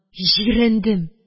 Җирәндем